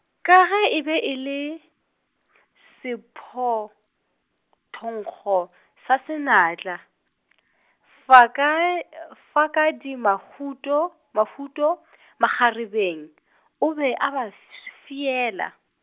ka ge e be e le , sephothonkgo sa senatla , fakae- , Fakadimahuto, mahuto makgarebeng , o be a ba sf- swiela.